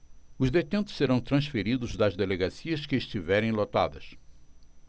os detentos serão transferidos das delegacias que estiverem lotadas